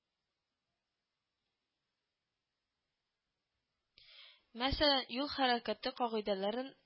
Мәсәлән, юл хәрәкәте кагыйдәләрен